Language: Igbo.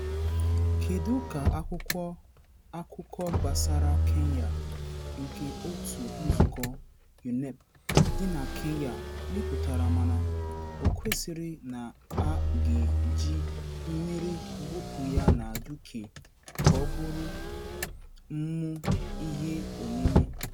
kedu ka akwụkwọ akụkọ gbasara Kenya nke òtù nzukọ (UNEP) dị na Kenya mepụtara mana o kwesịrị na ha ga-eji mmịrị bụpụ ya na UK ka bụrụ mụ iheomimi.